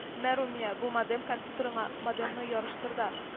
Мә румия бу "модем" компьютереңа модемны яраштырда